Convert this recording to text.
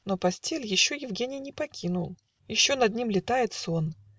но постель Еще Евгений не покинул, Еще над ним летает сон.